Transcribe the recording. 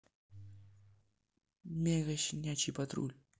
мега щенячий патруль